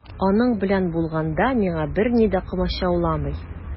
Аның белән булганда миңа берни дә комачауламый.